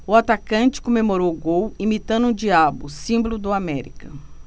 o atacante comemorou o gol imitando um diabo símbolo do américa